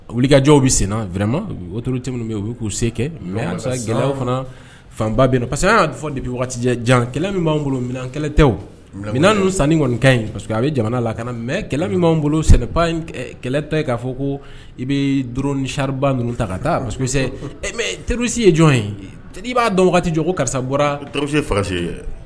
A wuli kajɔ bɛ sennama wo te u bɛ k'u se kɛ mɛ fanba bɛ parce que y'a fɔ de bi jan kɛlɛ b'an bolo minɛn kɛlɛ tɛ minɛn ninnu san kɔni ka pa parce que a bɛ jamana la ka na mɛ min b'an bolo sɛnɛ kɛlɛ ta yen k'a fɔ ko i bɛ du sariba ninnu ta ka taa se mɛ terirurusi ye jɔn ye i b'a dɔn waati jɔ ko karisa bɔrasi